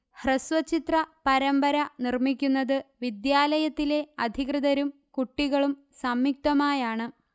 ഹ്രസ്വചിത്ര പരമ്പര നിർമിക്കുന്നത് വിദ്യാലയത്തിലെ അധികൃതരും കുട്ടികളും സംയുക്തമായാണ്